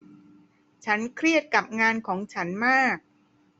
ฉันเครียดกับงานของฉันมาก